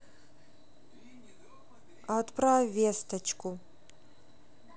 отправь весточку